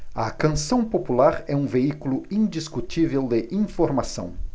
a canção popular é um veículo indiscutível de informação